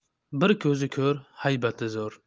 bir ko'zi ko'r haybati zo'r